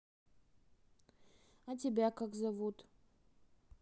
а тебя как зовут